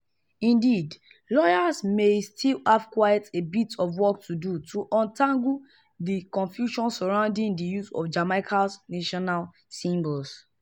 Indeed, lawyers may still have quite a bit of work to do to untangle the confusion surrounding the use of Jamaica's national symbols.